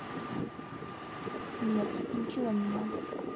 нет ничего не надо